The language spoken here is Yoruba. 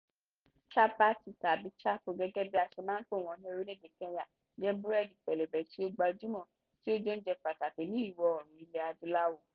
Chapati tàbí "chapo" gẹ́gẹ́ bí a ṣe máa pè wọ́n ní orílẹ̀ èdè Kenya, jẹ́ búrẹ́dì pẹlẹbẹ tí ó gbajúmò tí ó jẹ́ oúnjẹ pàtàkì ní Ìwọ Oòrùn Ilẹ̀ Adúláwò.